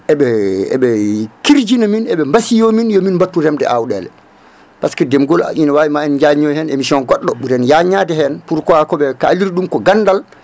eɓe eɓe kirjini min eɓe mbasiyo min yomin battu remde awɗele par ce que ndemgol ina wawi ma en jañnoy hen émission goɗɗo ɓuuren yajnade hen pourquoi koɓe kaliri ɗum ko gandal